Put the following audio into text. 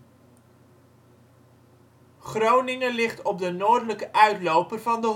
Groningen ligt op de noordelijke uitloper van de Hondsrug